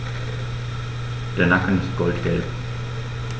Der Nacken ist goldgelb.